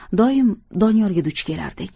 doim doniyorga duch kelardik